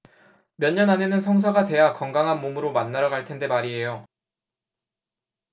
몇 년 안에는 성사가 돼야 건강한 몸으로 만나러 갈 텐데 말이에요